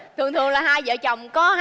thường thường là hai vợ chồng có